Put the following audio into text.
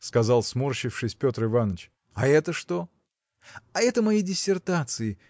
– сказал, сморщившись, Петр Иваныч. – А это что? – А это мои диссертации.